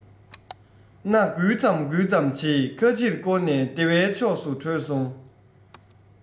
སྣ འགུལ ཙམ འགུལ ཙམ བྱེད ཁ ཕྱིར བསྐོར ནས སྡེ བའི ཕྱོགས སུ བྲོས སོང